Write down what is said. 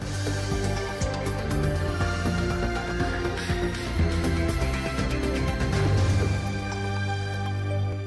Maa